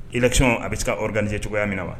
I lacɔn a bɛ se o gandie cogoya min na wa